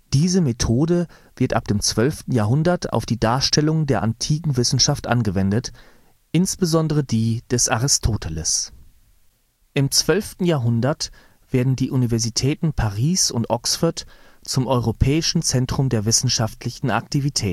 Diese Methode wird ab dem 12. Jahrhundert auf die Darstellungen der antiken Wissenschaft angewendet, insbesondere die des Aristoteles. Im 12. Jahrhundert werden die Universitäten Paris und Oxford zum europäischen Zentrum der wissenschaftlichen Aktivitäten